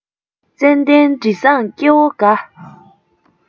ཙན དན དྲི བཟང སྐྱེ བོ དགའ